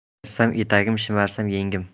qayirsam etagim shimarsam yengim